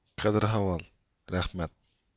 قەدىر ئەھۋال رەھمەت